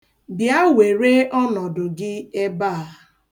Bịa, were ọnọdụ gị ebe a.